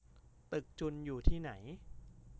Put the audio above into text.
ตึกจุลอยู่ที่ไหน